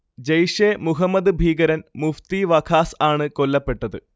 ജെയ്ഷെ മുഹമ്മദ് ഭീകരൻ മുഫ്തി വഖാസ് ആണ് കൊല്ലപ്പെട്ടത്